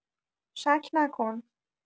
شک نکن